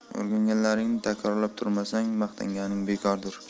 o'rganganlaringni takrorlab turmasang maqtanganing bekordir